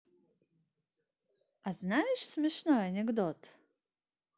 а знаешь смешной анекдот